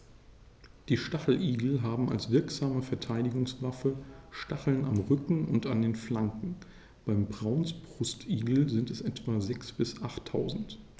Die Stacheligel haben als wirksame Verteidigungswaffe Stacheln am Rücken und an den Flanken (beim Braunbrustigel sind es etwa sechs- bis achttausend).